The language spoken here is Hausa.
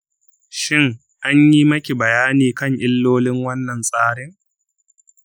shin an yi maki bayani kan illolin wannan tsarin ?